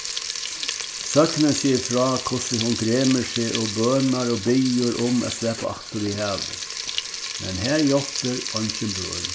søgnin sigur frá hvussu hon gremur seg og bønar og biður um at sleppa aftur í havið men har hjálpir eingin bøn